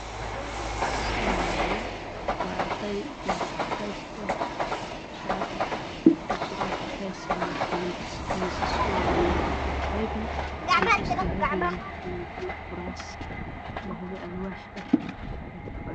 Waa arday wataan shaati cadaan school ayey jaagaan